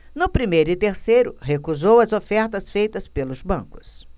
no primeiro e terceiro recusou as ofertas feitas pelos bancos